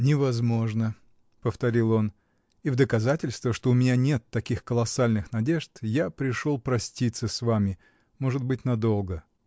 — Невозможно, — повторил он, — и в доказательство, что у меня нет таких колоссальных надежд, я пришел проститься с вами, может быть, надолго.